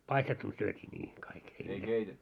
paistettuna syötiin niin kaikki ei niitä